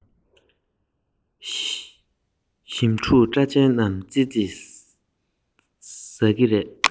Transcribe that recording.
ཞིམ ཕྲུག པྲ ཆལ རྣམས ཙི ཙིས ཟ གི རེད